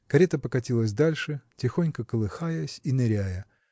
Карета покатилась дальше, тихонько колыхаясь и ныряя